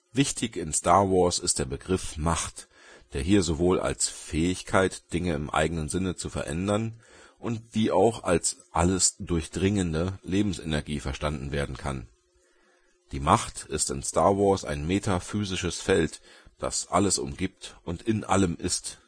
Wichtig in Star Wars ist der Begriff der „ Macht “(engl. the Force), der hier sowohl als Fähigkeit, Dinge im eigenen Sinne zu verändern und wie auch als „ alles durchdringende “Lebensenergie verstanden werden kann. Die Macht ist in Star Wars ein metaphysisches Feld, das Alles umgibt und in Allem ist